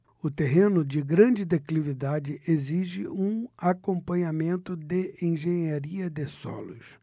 o terreno de grande declividade exige um acompanhamento de engenharia de solos